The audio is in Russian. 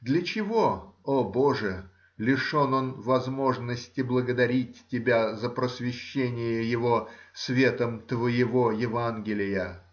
Для чего, о боже, лишен он возможности благодарить тебя за просвещение его светом твоего Евангелия?